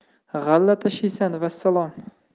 g'alla tashiysan vassalom